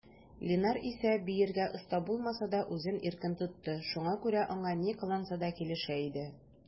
Линар исә, биергә оста булмаса да, үзен иркен тотты, шуңа күрә аңа ни кыланса да килешә иде.